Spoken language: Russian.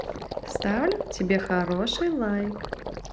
ставлю тебе хороший лайк